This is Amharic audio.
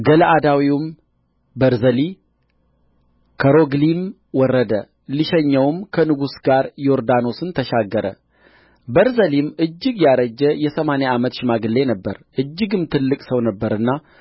ገለዓዳዊውም ቤርዜሊ ከሮግሊም ወረደ ሊሸኘውም ከንጉሡ ጋር ዮርዳኖስን ተሻገረ ቤርዜሊም እጅግ ያረጀ የሰማንያ ዓመት ሽማግሌ ነበረ እጅግም ትልቅ ሰው ነበረና